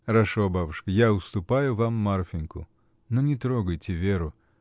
— Хорошо, бабушка, я уступаю вам Марфиньку, но не трогайте Веру.